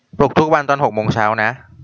ปลุกทุกวันตอนหกโมงเช้านะ